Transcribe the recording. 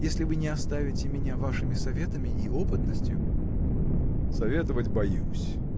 если вы не оставите меня вашими советами и опытностью. – Советовать – боюсь.